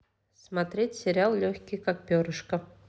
смотреть сериал легкий как перышко